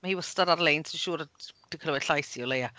Ma' hi wastad ar-lein, ti'n siŵr 'di clywed llais hi o leia.